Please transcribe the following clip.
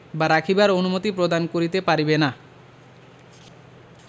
বা রাখিবার অনুমতি প্রদান করিতে পারিবে না